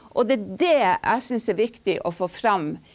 og det er dét jeg syns er viktig å få fram.